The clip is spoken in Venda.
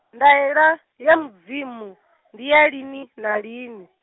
ndaela, ya Mudzimu, ndi ya lini na lini.